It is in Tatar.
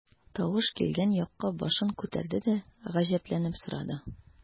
Тавыш килгән якка башын күтәрде дә, гаҗәпләнеп сорады.